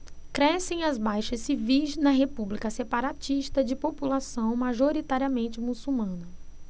crescem as baixas civis na república separatista de população majoritariamente muçulmana